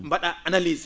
mba?aa analyse